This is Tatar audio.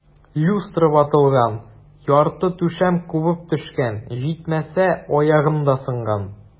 Люстра ватылган, ярты түшәм кубып төшкән, җитмәсә, аягым да сынган.